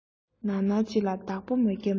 ནར ནར ལྕེ ལ བདག པོ མ རྒྱབ ན